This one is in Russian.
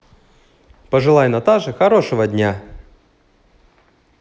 пожелай наташи хорошего дня